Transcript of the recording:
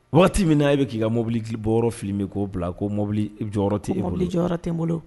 Waati min na' bɛ k'i ka mobili bɔ fili bɛ k'o bila kobili jɔyɔrɔ tɛe bolo jɔyɔrɔ tɛ n bolo